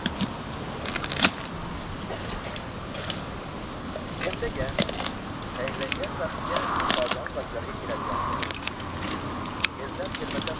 ertaga tayinlangan vaqtga qozon vokzaliga keladigan bo'ldim kelsam kelmasam